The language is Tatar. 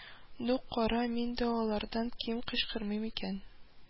Дук: «кара, мин дә алардан ким кычкырмыйм икән